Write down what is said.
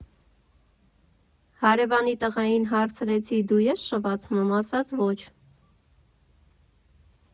Հարևանի տղային հարցրեցի՝ դու ե՞ս շվացնում, ասաց՝ ոչ։